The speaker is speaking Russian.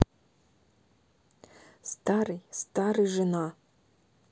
старый старый жена